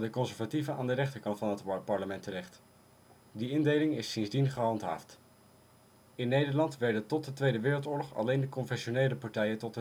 conservatieven aan de rechterkant van het parlement terecht. Die indeling is sindsdien gehandhaafd. Zie ook: Wetgevende Vergadering. In Nederland werden tot de Tweede Wereldoorlog alleen de confessionele partijen tot